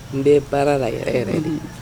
N bɛ baara la yɛrɛ yɛrɛ de ye